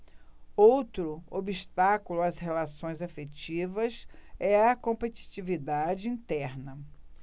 outro obstáculo às relações afetivas é a competitividade interna